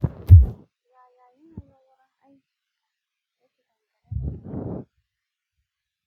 yaya yanayin wurin aikinka yake dangane da damuwa?